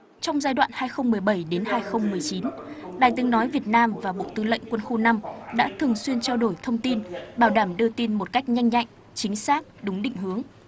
trong giai đoạn hai không mười bẩy đến hai không mười chín đài tiếng nói việt nam và bộ tư lệnh quân khu năm đã thường xuyên trao đổi thông tin bảo đảm đưa tin một cách nhanh nhạy chính xác đúng định hướng